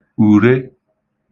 ùre